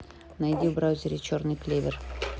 найди в браузере черный клевер